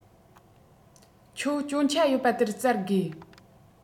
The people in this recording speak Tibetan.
ཁྱོད སྐྱོན ཆ ཡོད པ དེར བཙལ དགོས